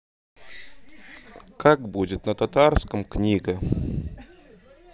как будет на татарском книга